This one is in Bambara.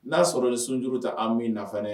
N'a sɔrɔ ni sunjuru tɛ an bɛ nafaɛ